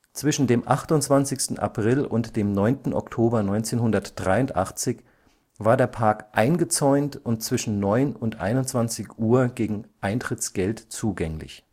Zwischen 28. April und 9. Oktober 1983 war der Park eingezäunt und zwischen 9 und 21 Uhr gegen Eintrittsgeld zugänglich